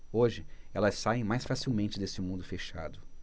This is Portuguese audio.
hoje elas saem mais facilmente desse mundo fechado